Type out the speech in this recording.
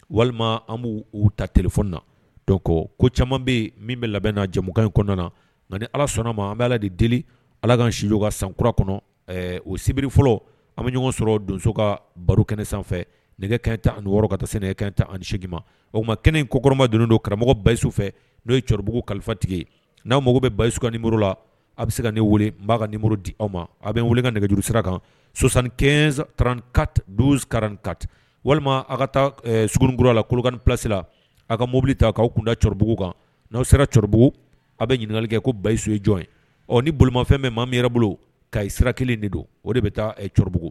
Walima an b' u ta tf na kɔ ko caman bɛ min bɛ labɛn n' jɛmukan in kɔnɔna na nka ni ala sɔnnama an bɛ ala de deli ala kaan sijka san kura kɔnɔ o sibiri fɔlɔ an bɛ ɲɔgɔn sɔrɔ donso ka baro kɛn sanfɛ nɛgɛ kɛ ta ani wɔɔrɔ ka sɛnɛ nɛgɛ kɛ tan ani sema o ma kɛnɛ in kokɔrɔma don don karamɔgɔ bayisu fɛ n'o ye cɛkɔrɔbabugu kalifatigi n'aw mago bɛ bayisukamuru la a bɛ se ka ne weele'a ka muruuru di aw ma a bɛ n wele ka nɛgɛjuru sira kan sɔsan kɛ tanranka don karanka walima aw ka taa skura la kulukani psila aw ka mobili ta k'aw kundabugu kan n'aw serabugu aw bɛ ɲininkakali kɛ ko bayiso ye jɔn ɔ ni bolomafɛn bɛ maa mi yɛrɛ bolo ka' sira kelen de don o de bɛ taabugu